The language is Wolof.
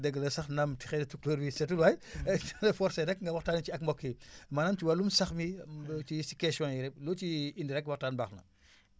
dëgg la sax naam xëy na tukulëër bi setul waay suñ la forcé rek nga waxtaanee ci ak mbokk yi pmaanaam ci wçllum sax mi loo ciy si questions yi rek loo ciy indi rek waxtaan baax na